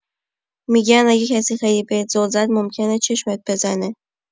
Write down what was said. می‌گن اگه کسی خیلی بهت زل زد، ممکنه چشمت بزنه.